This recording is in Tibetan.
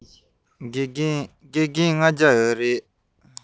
དགེ རྒན ༥༠༠ ཙམ ཡོད རེད